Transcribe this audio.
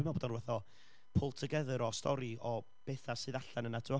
Dwi'n meddwl bod o ryw fath o pull together o stori o betha sydd allan yna, tibod.